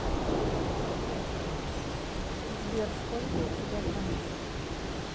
сбер сколько у тебя каналов